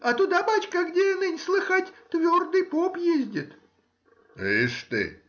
— А туда, бачка, где ныне, слыхать, твердый поп ездит. — Ишь ты!